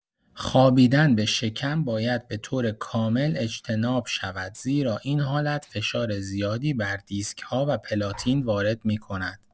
خوابیدن به شکم باید به‌طور کامل اجتناب شود، زیرا این حالت فشار زیادی بر دیسک‌ها و پلاتین وارد می‌کند.